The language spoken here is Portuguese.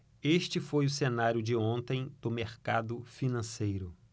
este foi o cenário de ontem do mercado financeiro